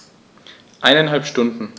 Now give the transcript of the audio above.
Eineinhalb Stunden